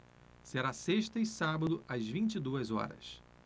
será sexta e sábado às vinte e duas horas